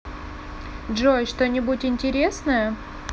джой что нибудь интересное